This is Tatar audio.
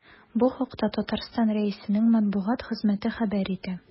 Бу хакта Татарстан Рәисенең матбугат хезмәте хәбәр итә.